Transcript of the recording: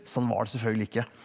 sånn var det selvfølgelig ikke.